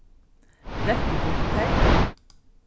reytt og gult tógv